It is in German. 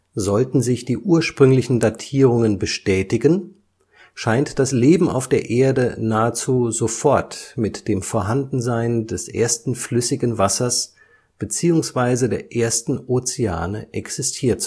Sollten sich die ursprünglichen Datierungen bestätigen, scheint das Leben auf der Erde nahezu sofort mit dem Vorhandensein des ersten flüssigen Wassers beziehungsweise der ersten Ozeane existiert